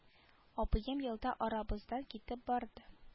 Абыем елда арабыздан китеп барды